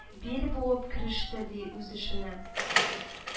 Бил буып, кереште, ди, үз эшенә